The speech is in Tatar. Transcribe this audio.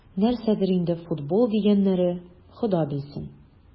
Нәрсәдер инде "футбол" дигәннәре, Хода белсен...